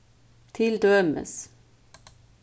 til dømis